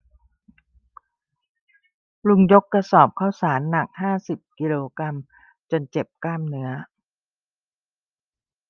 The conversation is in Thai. ลุงยกกระสอบข้าวสารหนักห้าสิบกิโลกรัมจนเจ็บกล้ามเนื้อ